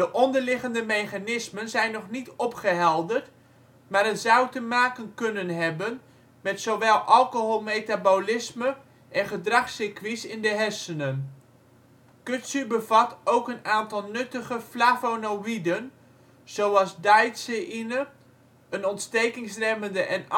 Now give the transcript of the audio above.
onderliggende mechanismen zijn nog niet opgehelderd, maar het zou te maken kunnen hebben met zowel alcohol metabolisme en gedragcircuits in de hersenen. Kudzu bevat ook een aantal nuttige flavonoïden zoals daidzeïne (een ontstekingsremmende en antimicrobiële